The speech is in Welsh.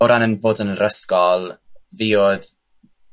o ran 'yn fod yn yr ysgol fi odd